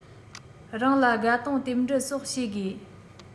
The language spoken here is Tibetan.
རང ལ དགའ སྟོན རྟེན འབྲེལ སོགས བྱེད དགོས